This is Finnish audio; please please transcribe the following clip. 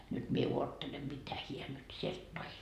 nyt minä odottelen mitä hän nyt sieltä toi